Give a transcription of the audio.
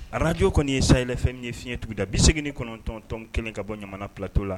Arajo kɔni ye saylɛfɛn ye fiɲɛɲɛ tugun da bi segin9tɔntɔn kelen ka bɔ jamana ptɔ la